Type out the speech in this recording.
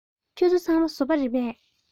ཁྱེད ཚོ ཚང མ བཟོ པ རེད པས